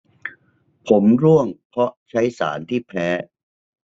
ผมร่วงเพราะใช้สารที่แพ้